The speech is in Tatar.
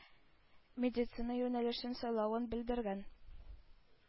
Медицина юнәлешен сайлавын белдергән.